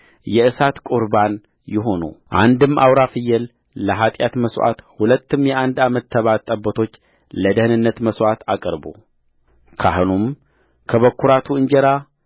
የእሳት ቍርባን ይሁኑአንድም አውራ ፍየል ለኃጢአት መሥዋዕት ሁለትም የአንድ ዓመት ተባት ጠቦቶች ለደኅንነት መሥዋዕት አቅርቡካህኑም ከበኵራቱ እንጀራ